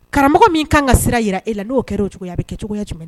Karamɔgɔ min kan ka sira jira e la n'o kɛra o cogoyaya a bɛ kɛcogoya jumɛn